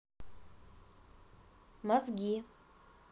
мозги